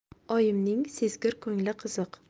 oyimning sezgir ko'ngli qiziq